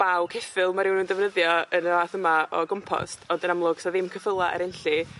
baw ceffyl ma' rywun yn defnyddio yn y fath yma o gwmpost ond yn amlwg sa ddim ceffyla er Enlli